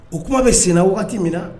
O kuma bɛ sen na wagati min na